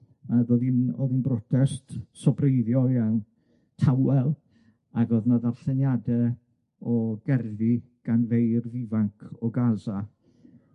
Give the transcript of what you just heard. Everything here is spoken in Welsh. ag o'dd 'i'n o'dd 'i'n brotest sobreiddiol iawn tawel, ag o'dd 'na ddarlleniade o gerddi gan feirdd ifanc o Gaza